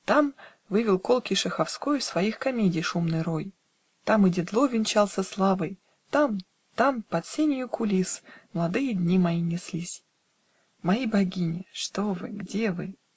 Там вывел колкий Шаховской Своих комедий шумный рой, Там и Дидло венчался славой, Там, там под сению кулис Младые дни мои неслись. Мои богини! что вы? где вы?